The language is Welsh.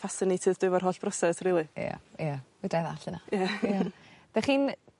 fascinated dwi efo'r holl broses rili. Ia ia, fedrai ddallt hynna. Ie . Ia. 'Dych chi'n